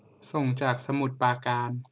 ส่งจากสมุทรปราการ